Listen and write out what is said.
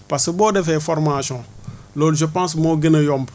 parce que boo defee formation loolu je pense moo gën a yomb